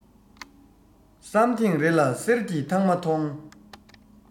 བསམ ཐེངས རེ ལ གསེར གྱི ཐང མ མཐོང